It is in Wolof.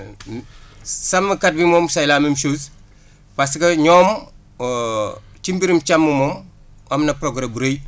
sàmmkat bi moom c' est la même chose parce que ñoom ci mbirum càmm moom am na progré bu rëy